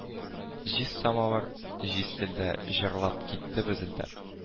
Җиз самавыр җиз телдә җырлап китте безелдәп